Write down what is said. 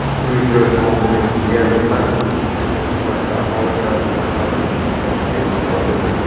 uy joy fondining deyarli barchasi xususiy mulk sifatida aholi tasarrufida ekanini aytish lozim